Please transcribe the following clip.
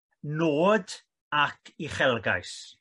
nod ac uchelgais.